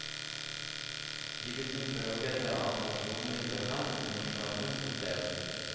«егетне берәүгә дә аңлашылмый торган йомышларны үтәү